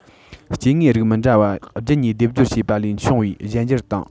སྐྱེ དངོས རིགས མི འདྲ བ རྒྱུད གཉིས སྡེབ སྦྱོར བྱས པ ལས བྱུང བའི གཞན འགྱུར དང